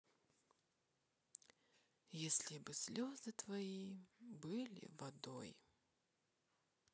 если бы слезы твои были водой